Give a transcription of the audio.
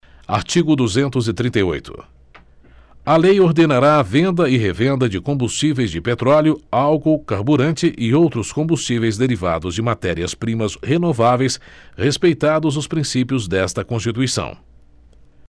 artigo duzentos e trinta e oito a lei ordenará a venda e revenda de combustíveis de petróleo álcool carburante e outros combustíveis derivados de matérias primas renováveis respeitados os princípios desta constituição